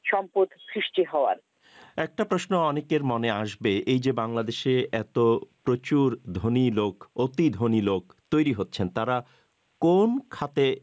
সম্পদ সৃষ্টি হওয়ার একটা প্রশ্ন অনেকের মনে আসবে এই যে বাংলাদেশে এত প্রচুর ধনী লোক অতি ধনী লোক তৈরি হচ্ছে তারা কোন খাতে